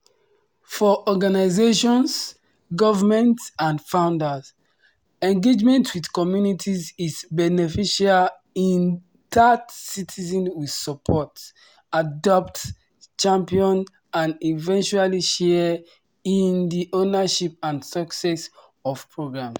For organizations, governments, and funders, engagement with communities is beneficial in that citizens will support, adopt, champion, and eventually share in the ownership and success of programs.